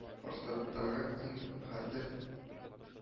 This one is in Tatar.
Форштадтагы иң хәтер